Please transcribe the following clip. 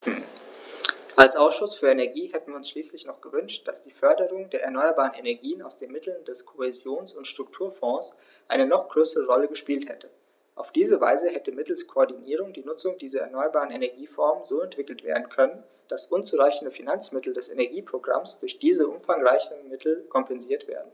Als Ausschuss für Energie hätten wir uns schließlich noch gewünscht, dass die Förderung der erneuerbaren Energien aus den Mitteln des Kohäsions- und Strukturfonds eine noch größere Rolle gespielt hätte. Auf diese Weise hätte mittels Koordinierung die Nutzung dieser erneuerbaren Energieformen so entwickelt werden können, dass unzureichende Finanzmittel des Energieprogramms durch diese umfangreicheren Mittel kompensiert werden.